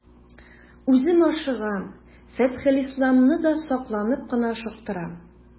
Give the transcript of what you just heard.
Үзем ашыгам, Фәтхелисламны да сакланып кына ашыктырам.